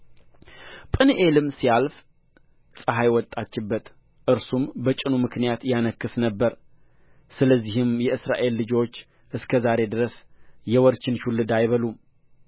ጵኒኤልንም ሲያልፍ ፀሐይ ወጣችበት እርሱም በጭኑ ምክንያት ያነክስ ነበር ስለዚህም የእስራኤል ልጆች እስከ ዛሬ ድረስ የወርችን ሹልዳ አይበሉም